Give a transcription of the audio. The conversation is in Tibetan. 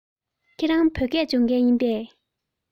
ཁྱེད རང བོད སྐད སྦྱོང མཁན ཡིན པས